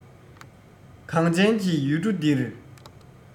གངས ཅན གྱི ཡུལ གྲུ འདིར